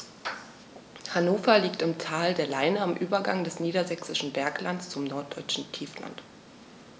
Hannover liegt im Tal der Leine am Übergang des Niedersächsischen Berglands zum Norddeutschen Tiefland.